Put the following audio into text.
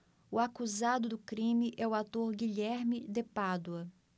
o acusado do crime é o ator guilherme de pádua